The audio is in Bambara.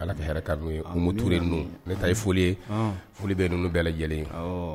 Ala ka yetu bɛ taa foli ye foli bɛ ninnu bɛɛ lajɛlen